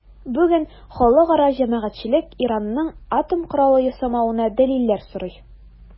Бүген халыкара җәмәгатьчелек Иранның атом коралы ясамавына дәлилләр сорый.